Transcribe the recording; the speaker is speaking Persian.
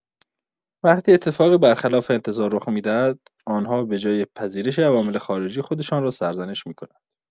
وقتی اتفاقی برخلاف انتظار رخ می‌دهد، آن‌ها به‌جای پذیرش عوامل خارجی، خودشان را سرزنش می‌کنند.